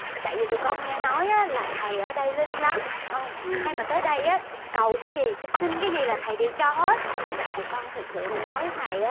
tại vì tụi con nghe nói là thầy ở đây linh lắm ai mà tới đây á cầu cái gì xin cái gì là thầy đều cho hết với lại tụi con thực sự mà nói thầy